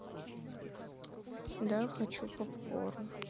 да хочу попкорн